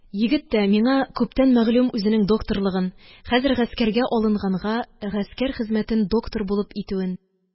Егет тә миңа күптән мәгълүм үзенең докторлыгын, хәзер гаскәргә алынганга, гаскәр хезмәтен доктор булып итүен